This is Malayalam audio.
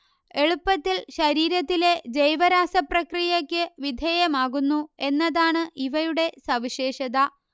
എളുപ്പത്തിൽ ശരീരത്തിലെ ജൈവരാസപ്രക്രിയക്ക് വിധേയമാകുന്നു എന്നതാണ് ഇവയുടെ സവിശേഷത